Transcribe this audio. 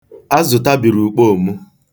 Azụ tabiri ukpoo m.